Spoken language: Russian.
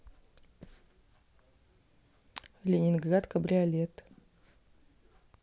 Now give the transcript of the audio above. ленинград кабриолет